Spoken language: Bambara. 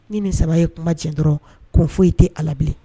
Ni min saba ye kuma tiɲɛ dɔrɔn ko fɔ i tɛ ala bilen